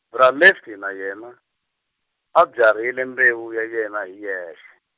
bra Lefty na yena, u byarhile mbewu ya yena hi yexe.